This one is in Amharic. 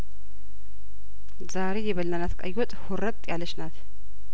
ዛሬ የበላናት ቀይወጥ ሁርጥ ያለችናት